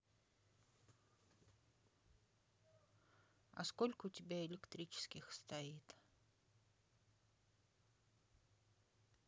а сколько у тебя электрических стоит